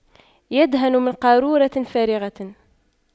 يدهن من قارورة فارغة